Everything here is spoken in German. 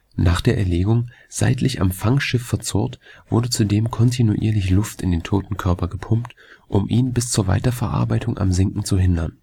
Nach der Erlegung seitlich am Fangschiff verzurrt, wurde zudem kontinuierlich Luft in den toten Körper gepumpt, um ihn bis zur Weiterverarbeitung am Sinken zu hindern